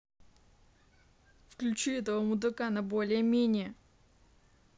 включи этого мудака на более менее